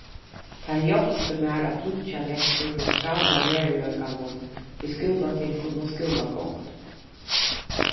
tað hjálpti mær at flýggja vekk úr tí strævna veruleikanum við skúlatingum og skúlagongd